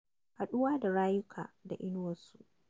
Haɗuwa da rayuka da inuwarsu